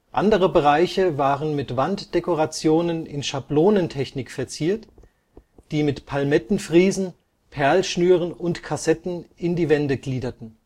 Andere Bereiche waren mit Wanddekorationen in Schablonentechnik verziert, die mit Palmettenfriesen, Perlschnüren und Kassetten die Wände gliederten